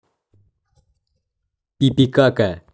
пипи кака